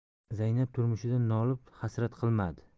zaynab turmushidan nolib hasrat qilmadi